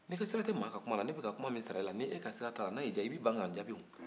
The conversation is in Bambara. n'i ka sira tɛ maa ka kuma na ne bɛ ka kuma min sara e la n'i ka sira t'a la n'a y'i ja i b'i ban k'a jaabi